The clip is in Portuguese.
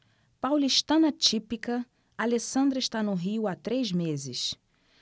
paulistana típica alessandra está no rio há três meses